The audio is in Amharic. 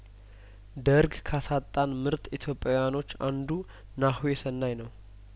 ደርግ ካሳጣንምርጥ ኢትዮጵያውያኖች አንዱ ናሆሰናይ ነው